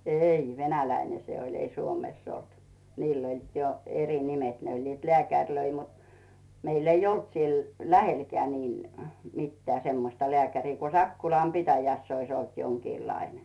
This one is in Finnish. ei venäläinen se oli ei Suomessa ollut niillä oli jo eri nimet ne oli lääkäreitä mutta meillä ei ollut siellä lähelläkään niin mitään semmoista lääkäriä kun Sakkolan pitäjässä olisi ollut jonkinlainen